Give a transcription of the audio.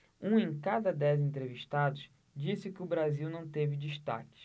um em cada dez entrevistados disse que o brasil não teve destaques